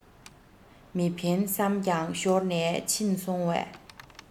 མི འཕེན བསམ ཀྱང ཤོར ནས ཕྱིན སོང བས